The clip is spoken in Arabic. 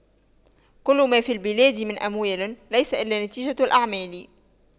كل ما في البلاد من أموال ليس إلا نتيجة الأعمال